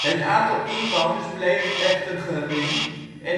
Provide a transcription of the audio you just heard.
Het aantal inwoners bleef echter gering en